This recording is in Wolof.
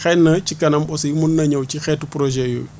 xëy na ci kanam aussi mun naa ñëw ci xeetu projet yooyu